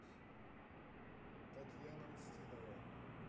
татьяна устинова